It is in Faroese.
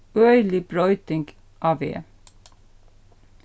øgilig broyting á veg